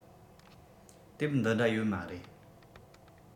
དེབ འདི འདྲ ཡོད མ རེད